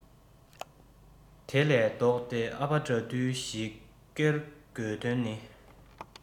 དེ ལས ལྡོག སྟེ ཨ ཕ དགྲ འདུལ ཞིག ཀེར དགོས དོན ནི